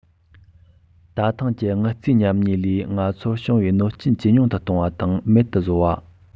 ད ཐེངས ཀྱི དངུལ རྩའི ཉམས ཉེན ལས ང ཚོར བྱུང བའི གནོད རྐྱེན ཇེ ཉུང དུ གཏོང བ དང མེད པར བཟོ བ